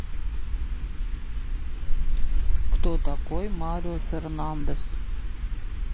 кто такой марио фернандес